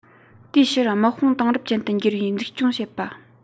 དེའི ཕྱིར དམག དཔུང དེང རབས ཅན དུ འགྱུར བའི འཛུགས སྐྱོང བྱེད པ